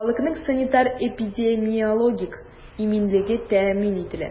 Халыкның санитар-эпидемиологик иминлеге тәэмин ителә.